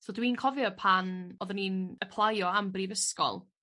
so dwi'n cofio pan oddwn i'n aplaio am brifysgol